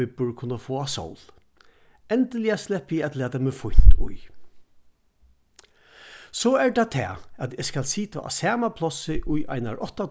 bibbur kunnu fáa sól endiliga sleppi eg at lata meg fínt í so er tað tað at eg skal sita á sama plássi í einar átta